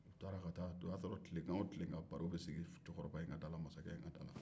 u taara ka taa o y'a sɔrɔ tilegan wo tilegan baro bɛ sigi cɛkɔrɔba in ka da la mansakɛ in ka da la